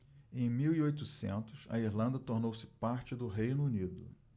em mil e oitocentos a irlanda tornou-se parte do reino unido